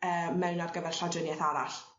yy mewn ar gyfer llawdrinieth arall.